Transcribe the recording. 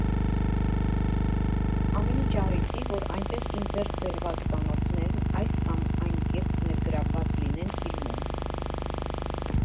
Ամեն ինչ արեցի, որ այնտեղ իմ ձեռք բերված ծանոթներն այս կամ այն կերպ ներգրավված լինեն ֆիլմում։